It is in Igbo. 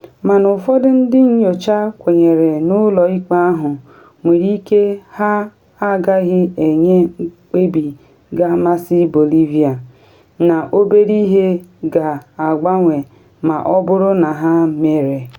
Mana ụfọdụ ndị nyocha kwenyere na ụlọ ikpe ahụ nwere ike ha agaghị enye mkpebi ga-amasị Bolivia - na obere ihe ga-agbanwe ma ọ bụrụ na ha mere.